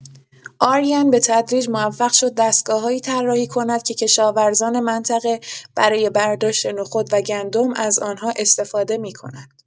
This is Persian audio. آرین به‌تدریج موفق شد دستگاه‌هایی طراحی کند که کشاورزان منطقه برای برداشت نخود و گندم از آن‌ها استفاده می‌کنند.